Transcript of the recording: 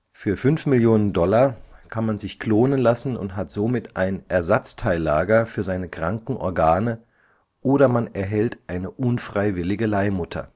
viel Geld (fünf Millionen Dollar) kann man sich klonen lassen und hat somit ein „ Ersatzteillager “für seine kranken Organe, oder man erhält eine unfreiwillige Leihmutter